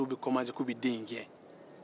dɔw bɛ kɔnmanse k'u bɛ den in gɛn